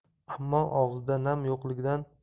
ammo og'zida nam yo'qligidan